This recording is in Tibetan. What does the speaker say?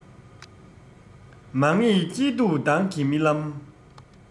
མ ངེས སྐྱིད སྡུག མདང གི རྨི ལམ